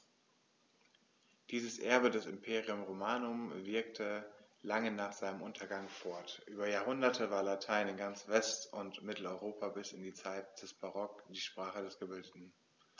Dieses Erbe des Imperium Romanum wirkte lange nach seinem Untergang fort: Über Jahrhunderte war Latein in ganz West- und Mitteleuropa bis in die Zeit des Barock die Sprache der Gebildeten.